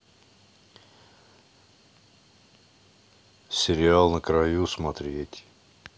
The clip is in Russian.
сериал на краю смотреть